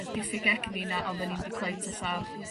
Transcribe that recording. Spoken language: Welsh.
y diffyg egni 'na oddan ni'm 'di cweit ella